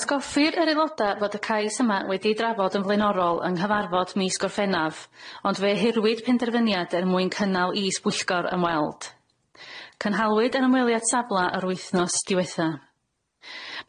Atgoffir yr aeloda' fod y cais yma wedi'i drafod yn flaenorol yng nghyfarfod mis Gorffennaf ond fe ohiriwyd penderfyniad er mwyn cynnal is-bwyllgor ymweld. Cynhaliwyd yr ymweliad safla yr wythnos diwetha'.